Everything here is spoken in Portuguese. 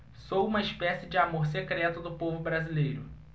sou uma espécie de amor secreto do povo brasileiro